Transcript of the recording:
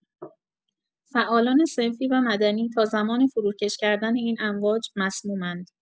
فعالان صنفی و مدنی، تا زمان فروکش کردن این امواج مسمومند